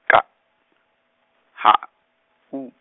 K, H, U.